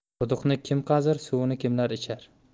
quduqni kim qazir suvini kimlar ichar